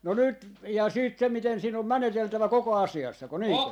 no nyt jaa sitten se miten siinä on meneteltävä koko asiassako niinkö